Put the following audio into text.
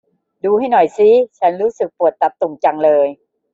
ดูให้หน่อยซิฉันรู้สึกปวดตาตุ่มจังเลย